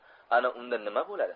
ana unda nima bo'ladi